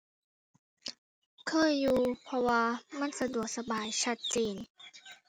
เคยอยู่ เพราะว่ามันสะดวกสบาย ชัดเจน